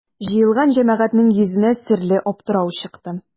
Җыелган җәмәгатьнең йөзенә серле аптырау чыкты.